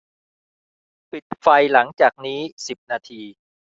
ปิดไฟหลังจากนี้สิบนาที